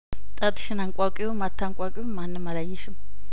ጣትሽን አንቋቂውም አታንቋቂውም ማንም አላየሽም